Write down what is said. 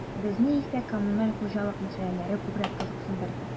Безне исә коммуналь хуҗалык мәсьәләләре күбрәк кызыксындырды.